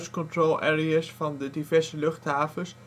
control area 's van de diverse luchthavens